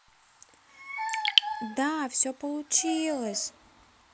да все получилось